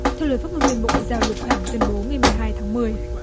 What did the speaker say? theo lời phát ngôn viên bộ ngoại giao lục khảng tuyên bố ngày mười hai tháng mười